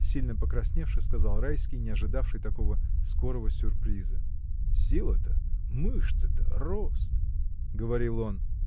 — сильно покрасневши, сказал Райский, не ожидавший такого скорого сюрприза. — Сила-то, мышцы-то, рост!. — говорил он.